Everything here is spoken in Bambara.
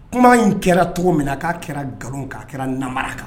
Kuma in kɛra cogo min na k'a kɛra nkalon kan , a kɛra namara kan